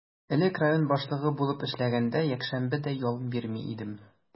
Элек район башлыгы булып эшләгәндә, якшәмбе дә ял бирми идем.